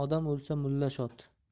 odam o'lsa mulla shod